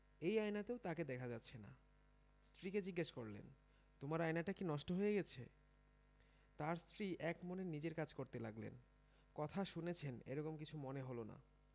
এই আয়নাতেও তাঁকে দেখা যাচ্ছে না স্ত্রীকে জিজ্ঞেস করলেন তোমার আয়নাটা কি নষ্ট হয়ে গেছে তাঁর স্ত্রী একমনে নিজের কাজ করতে লাগলেন কথা শুনেছেন এ রকম কিছু মনে হলো না